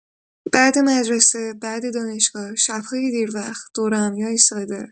بعد مدرسه، بعد دانشگاه، شب‌های دیر وقت، دورهمی‌های ساده.